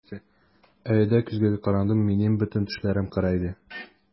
Ә өйдә көзгегә карадым - минем бөтен тешләрем кара иде!